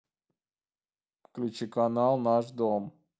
включи канал наш дом